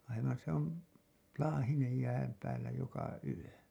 aivan se on laahinen jään päällä joka yö